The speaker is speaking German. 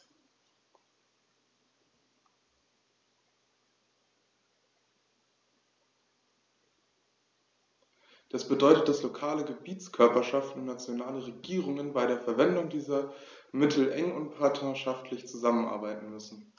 Das bedeutet, dass lokale Gebietskörperschaften und nationale Regierungen bei der Verwendung dieser Mittel eng und partnerschaftlich zusammenarbeiten müssen.